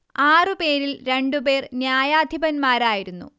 ആറു പേരിൽ രണ്ടുപേർ ന്യായാധിപന്മാരായിരുന്നു